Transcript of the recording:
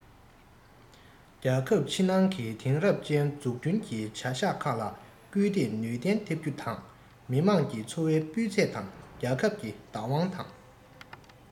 རྒྱལ ཁབ ཕྱི ནང གི དེང རབས ཅན འཛུགས སྐྲུན གྱི བྱ གཞག ཁག ལ སྐུལ འདེད ནུས ལྡན ཐེབས རྒྱུ དང མི དམངས ཀྱི འཚོ བའི སྤུས ཚད དང རྒྱལ ཁབ ཀྱི བདག དབང དང